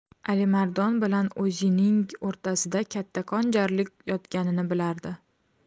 alimardon bilan o'zining o'rtasida kattakon jarlik yotganini bilardi